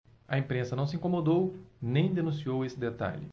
a imprensa não se incomodou nem denunciou esse detalhe